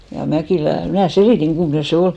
ja Mäkilä minä selitin kummoinen se oli